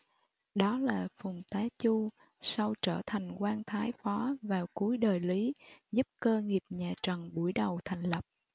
đó là phùng tá chu sau trở thành quan thái phó vào cuối đời lý giúp cơ nghiệp nhà trần buổi đầu thành lập